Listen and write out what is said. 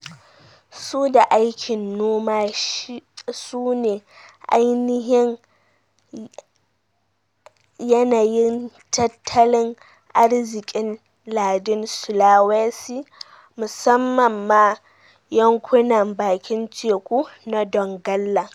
su da aikin noma sune ainihin yanayin tattalin arzikin lardin Sulawesi, musamman ma yankunan bakin teku na Donggala.